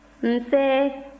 nse